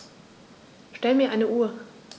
Stell mir eine Uhr.